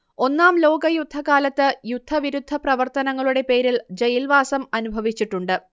ഒന്നാം ലോകയുദ്ധകാലത്ത് യുദ്ധവിരുദ്ധ പ്രവർത്തനങ്ങളുടെ പേരിൽ ജയിൽവാസം അനുഭവിച്ചിട്ടുണ്ട്